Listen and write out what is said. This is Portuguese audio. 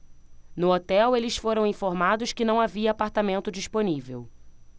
no hotel eles foram informados que não havia apartamento disponível